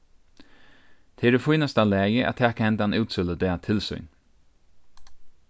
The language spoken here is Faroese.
tað er í fínasta lagi at taka hendan útsøludag til sín